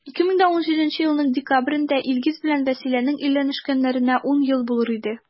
2017 елның декабрендә илгиз белән вәсиләнең өйләнешкәннәренә 10 ел булыр иде.